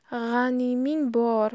g'animing boor